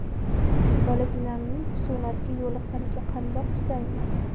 bolaginamning xusumatga yo'liqqaniga qandoq chidayman